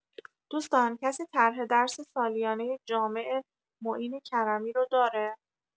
دوستان کسی طرح درس سالیانه جامع معین کرمی رو داره؟